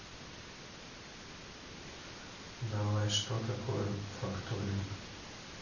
давай что такое факторинг